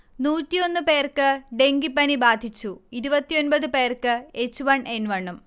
നൂറ്റിയൊന്ന് പേർക്ക് ഡെങ്കിപ്പനി ബാധിച്ചു ഇരുപത്തിയൊൻപത് പേർക്ക് എച്ച്വൺ എൻവണും